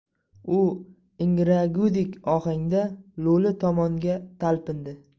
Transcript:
u ingragudek ohangda lo'li tomon talpindi